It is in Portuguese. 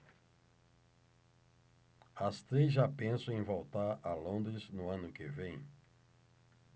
as três já pensam em voltar a londres no ano que vem